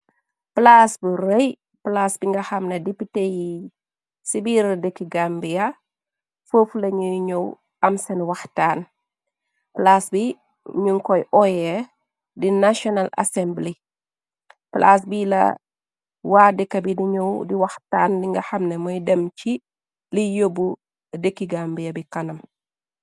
Plaase bu rey plaase bi nga xamna dipite yi ci biira dekki gambia foof lañuy ñoow am seen wax taan plaas bi ñuñ koy oye di national assembly plaas bi la waa dika bi di ñuow di wax taan li nga xamne mooy dem ci li yóbbu dekki gambiya bi kanam.